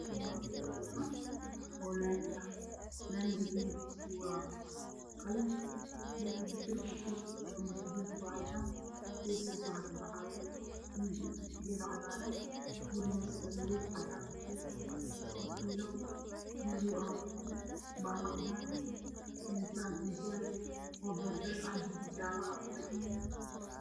Kani waa dhul fican oo laami ah midabkiisu waa qalin, darbigiisa mushinbiyeeriga waa cadaan, geeskiisa waxaa kabaxaayo geedo cagaaran, guriga hoose laamiyeeri cadaan ah kuwareegsan fiilo madow ah kuxiran, baala cadaan ah, inta ganjeel beer ah iyo jaale ah kudhagan.